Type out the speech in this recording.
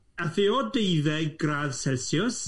Aeth hi o deuddeg gradd celsiws...